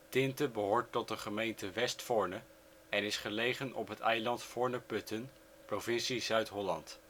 Tinte behoort tot de gemeente Westvoorne en is gelegen op het eiland Voorne-Putten, provincie Zuid-Holland